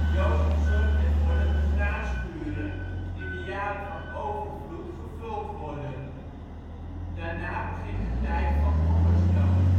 Jozef zorgt ervoor dat de graanschuren in de jaren van overvloed gevuld worden. Daarna begint de tijd van hongersnood